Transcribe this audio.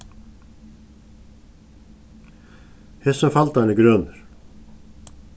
hesin faldarin er grønur